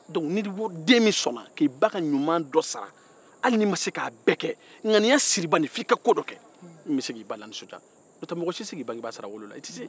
dɔnku hali n'i ma se k'i ba ka ɲuman sara ŋaniya siri bani n'o tɛ e tɛ k'i ba ka ɲuman bɛɛ sara o